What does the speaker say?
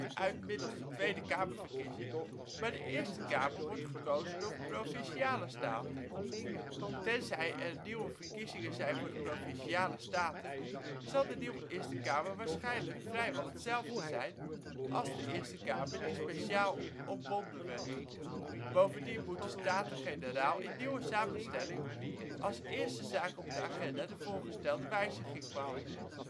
uit middels de Tweede Kamerverkiezing, maar de Eerste Kamer wordt gekozen door de Provinciale Staten. Tenzij er nieuwe verkiezingen zijn voor de Provinciale Staten, zal de nieuwe Eerste Kamer waarschijnlijk vrijwel hetzelfde zijn als de Eerste Kamer die speciaal ontbonden werd. Bovendien moet de Staten-Generaal in nieuwe samenstelling als eerste zaak op de agenda de voorgestelde wijziging behandelen